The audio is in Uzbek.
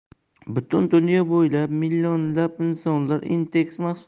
butun dunyo bo'ylab millionlab insonlar intex